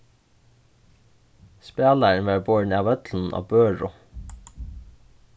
spælarin varð borin av vøllinum á børu